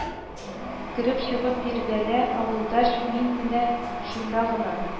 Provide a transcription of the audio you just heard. Кереп-чыгып йөргәлә, авылдаш, мин менә шунда гына